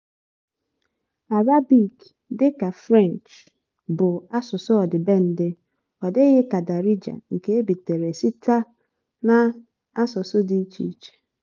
Arabic, dị ka French, bụ asụsụ ọdịbendị ọ adịghị ka Darija nke ebitere sita n'asụsụ dị iche iche.